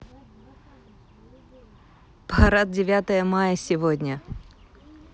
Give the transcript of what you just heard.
парад девятое мая сегодня